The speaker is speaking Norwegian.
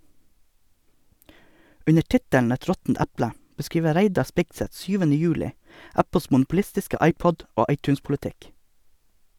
Under tittelen "Et råttent eple" beskriver Reidar Spigseth 7. juli Apples monopolistiske iPod- og iTunes-politikk.